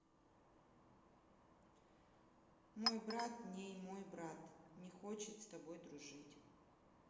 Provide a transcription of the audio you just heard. мой брат ней мой брат не хочет с тобой дружить